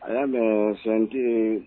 A y'a mɛ fɛntigi